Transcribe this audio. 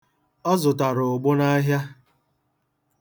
Ọ zụtara ụgbụ n'ahịa.